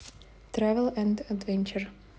тревел энд адвенчер